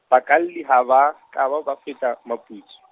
bakalli ha ba, ka be ba feta Maputs-.